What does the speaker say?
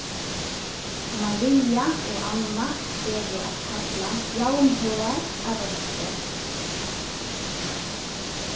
maria og anna eru at kalla javnhøgar á vøkstri